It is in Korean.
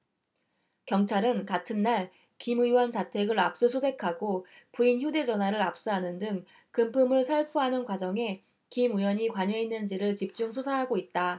경찰은 같은 날 김 의원 자택을 압수수색하고 부인 휴대전화를 압수하는 등 금품을 살포하는 과정에 김 의원이 관여했는지를 집중 수사하고 있다